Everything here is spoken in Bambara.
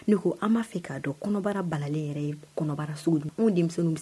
Ne ko an b'a fɛ k'a dɔn kɔnɔbara balalen yɛrɛ ye kɔnɔbara sogo denmisɛnnin